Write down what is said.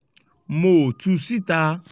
Mo ‘ò tu síta.”